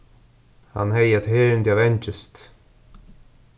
hann hevði eitt herðindi av angist